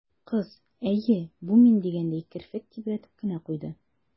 Кыз, «әйе, бу мин» дигәндәй, керфек тибрәтеп кенә куйды.